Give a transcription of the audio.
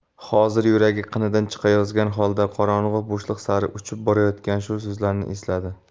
hozir yuragi qinidan chiqayozgan holda qorong'i bo'shliq sari uchib borayotganda shu so'zlarni esladi